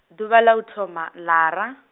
ḓuvha ḽa u thoma, ḽara.